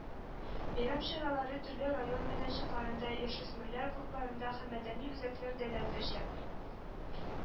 Бәйрәм чаралары төрле район мәйданчыкларында, яшүсмерләр клубларында һәм мәдәни үзәкләрдә дә үтәчәк